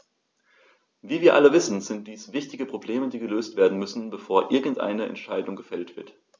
Wie wir alle wissen, sind dies wichtige Probleme, die gelöst werden müssen, bevor irgendeine Entscheidung gefällt wird.